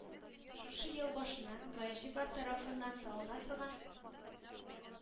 Шушы ел башыннан гаишниклар тарафыннансалына торган